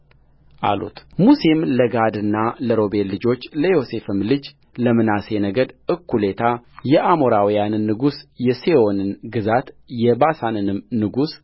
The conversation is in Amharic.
አሉትሙሴም ለጋድና ለሮቤል ልጆች ለዮሴፍም ልጅ ለምናሴ ነገድ እኩሌታ የአሞራውያንን ንጉሥ የሴዎንን ግዛት የባሳንንም ንጉሥ